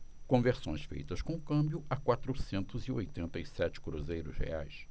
conversões feitas com câmbio a quatrocentos e oitenta e sete cruzeiros reais